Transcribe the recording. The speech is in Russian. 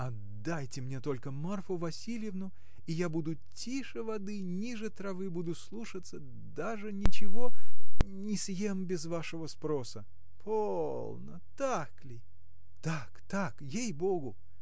— Отдайте мне только Марфу Васильевну, и я буду тише воды, ниже травы, буду слушаться, даже ничего. не съем без вашего спроса. — Полно, так ли? — Так, так — ей-богу.